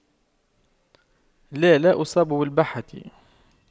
لا لا اصاب بالبحة